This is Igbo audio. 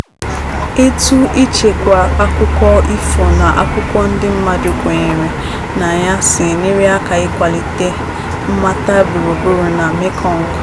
Etu ichekwa akụkọ ifo na akụkọ ndị mmadụ kwenyere na ya si enyere aka ịkwalite mmata gburugburu na Mekong